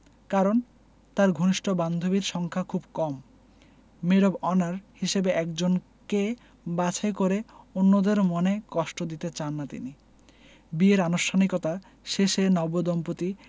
কারণ তাঁর ঘনিষ্ঠ বান্ধবীর সংখ্যা খুব কম মেড অব অনার হিসেবে একজনকে বাছাই করে অন্যদের মনে কষ্ট দিতে চান না তিনি বিয়ের আনুষ্ঠানিকতা শেষে নবদম্পতি